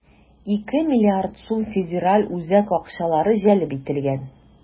2 млрд сум федераль үзәк акчалары җәлеп ителгән.